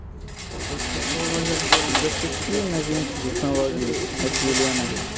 запусти новинки технологий от елены